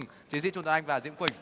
chiến sĩ chu tuấn anh và diễm quỳnh